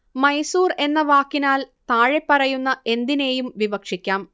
മൈസൂർ എന്ന വാക്കിനാൽ താഴെപ്പറയുന്ന എന്തിനേയും വിവക്ഷിക്കാം